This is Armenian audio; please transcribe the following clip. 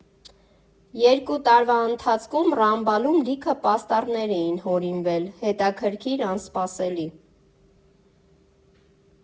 Երկու տարվա ընթացքում Ռամբալում լիքը պաստառներ էին հորինվել՝ հետաքրքիր, անսպասելի։